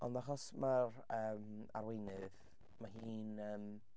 Ond achos ma'r yym arweinydd, ma' hi'n yym...